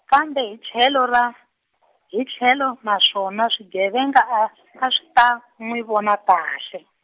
kambe hi tlhelo ra, hi tlhelo na swona swigevenga a , a swi ta, n'wi vona kahle.